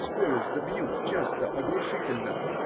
С поезда бьют часто, оглушительно.